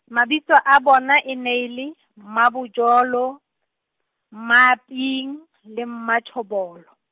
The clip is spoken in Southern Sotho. mabitso a bona e ne e le Mmabojolo, Mmaping le Mmatjhobolo.